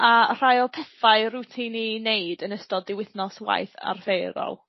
A rhai o pethau rwt ti'n i neud yn ystod dy wythnos waith arferol.